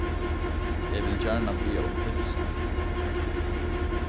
eg vil gjarna biðja um pitsa